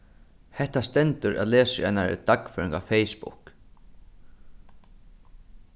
hetta stendur at lesa í einari dagføring á facebook